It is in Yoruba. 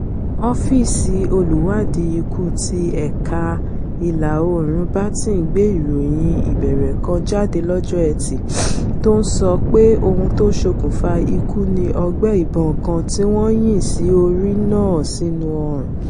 Ọ́fíisì Olùwáàdí Ikú ti Ẹ̀ka Ìla Oòrùn Baton gbé ìròyìn ìbẹ̀rẹ̀ kan jadé lọ́jọ́ Ẹtì, tó ńsọ pé ohun tó ṣokùnfa ikù ní ọgbẹ́ ìbọn kan tí wọn yìn sí orí náà sínú ọrùn.